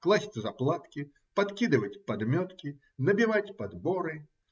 класть заплатки, подкидывать подметки, набивать подборы